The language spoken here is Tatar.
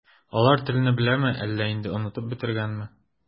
Алар телне беләме, әллә инде онытып бетергәнме?